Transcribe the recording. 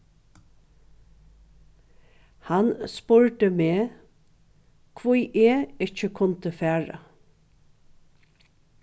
hann spurdi meg hví eg ikki kundi fara